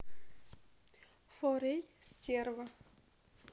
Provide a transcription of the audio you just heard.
форель стерва